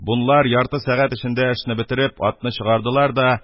Бунлар ярты сәгать эчендә эшне бетереп, атны чыгардылар да